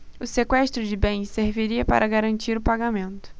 o sequestro de bens serviria para garantir o pagamento